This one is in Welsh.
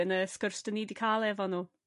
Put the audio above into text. yn y sgwrs 'dyn ni 'di ca'l efo nhw.